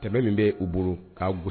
Cɛ min bɛ u bolo k'a gosi